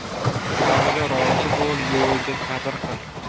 boriga rozi bo'l yo'g'iga sabr qil